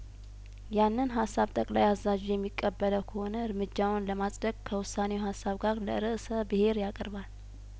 ያንን ሀሳብ ጠቅላይ አዛዡ የሚቀበለው ከሆነ እርምጃውን ለማጽደቅ ከውሳኔ ሀሳብ ጋር ለእርሰ ብሄር ያቀርባል